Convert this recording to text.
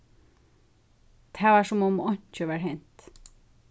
tað var sum um einki var hent